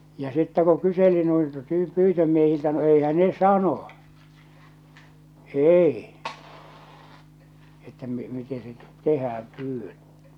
ja sitten kun kyseli noilta - pyytömiehiltä no eihän ne sanoi ei että - miten se tehdään pyydöt